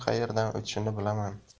ham qayerdan o'tishini bilaman